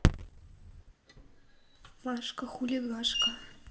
машка хулигашка